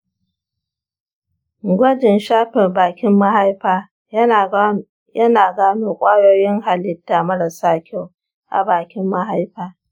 gwajin shafe bakin mahaifa yana gano kwayoyin halitta marasa kyau a bakin mahaifa.